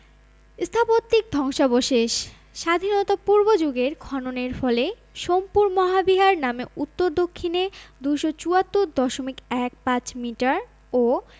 স্থাপত্যিক ধ্বংসাবশেষ স্বাধীনতা পূর্ব যুগের খননের ফলে সোমপুর মহাবিহার নামে উত্তর দক্ষিণে ২৭৪ দশমিক এক পাঁচ মিটার ও